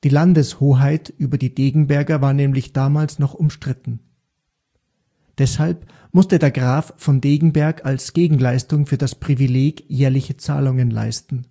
Landeshoheit über die Degenberger war nämlich damals noch umstritten. Deshalb musste der Graf von Degenberg als Gegenleistung für das Privileg jährliche Zahlungen leisten